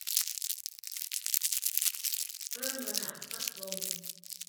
เพิ่มระดับพัดลม